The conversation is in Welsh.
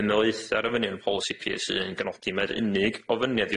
ymelaethu ar ofynion polisi Pi Es un gan nodi mai'r unig ofyniad